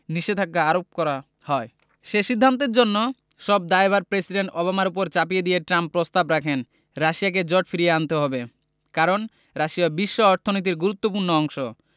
নিষেধাজ্ঞা আরোপ করা হয় সে সিদ্ধান্তের জন্য সব দায়ভার প্রেসিডেন্ট ওবামার ওপর চাপিয়ে দিয়ে ট্রাম্প প্রস্তাব রাখেন রাশিয়াকে জোটে ফিরিয়ে আনতে হবে কারণ রাশিয়া বিশ্ব অর্থনীতির গুরুত্বপূর্ণ অংশ